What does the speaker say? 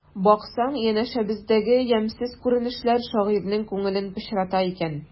Баксаң, янәшәбездәге ямьсез күренешләр шагыйрьнең күңелен пычрата икән.